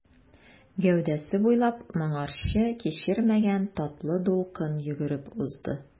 Гәүдәсе буйлап моңарчы кичермәгән татлы дулкын йөгереп узды.